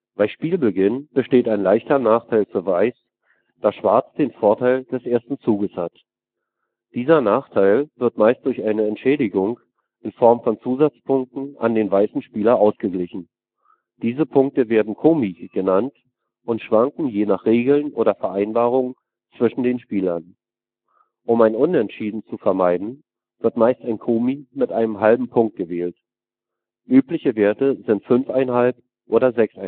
Bei Spielbeginn besteht ein leichter Nachteil für Weiß, da Schwarz den Vorteil des ersten Zuges hat. Dieser Nachteil wird meist durch eine „ Entschädigung “in Form von Zusatzpunkten an den weißen Spieler ausgeglichen. Diese Punkte werden Komi (コミ) genannt und schwanken je nach Regeln oder Vereinbarung zwischen den Spielern. Um ein Unentschieden zu vermeiden, wird meist ein Komi mit einem halben Punkt gewählt; übliche Werte sind 5½ oder 6½